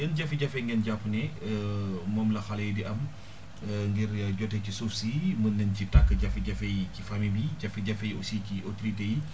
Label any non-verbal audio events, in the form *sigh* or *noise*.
yan jafe-jafe ngeen jàpp ne *hesitation* moom la xale yi di am *hesitation* ngir jote ci suuf si mun nañ ci tàkk jafe-jafe yi ci famille bi jafe-jafe yi aussi ci autorités yi